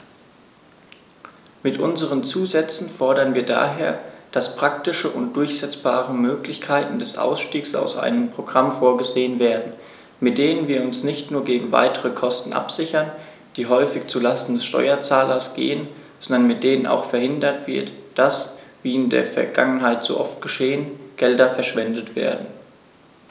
Mit unseren Zusätzen fordern wir daher, dass praktische und durchsetzbare Möglichkeiten des Ausstiegs aus einem Programm vorgesehen werden, mit denen wir uns nicht nur gegen weitere Kosten absichern, die häufig zu Lasten des Steuerzahlers gehen, sondern mit denen auch verhindert wird, dass, wie in der Vergangenheit so oft geschehen, Gelder verschwendet werden.